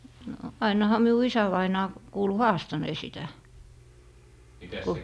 no - no ainahan minun isävainaja kuului haastaneen sitä kun